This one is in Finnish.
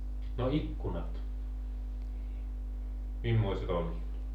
no ikkunat mimmoiset olivat